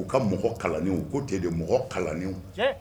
Uu ka mɔgɔ kalaniw u ko jeli mɔgɔ kalaniw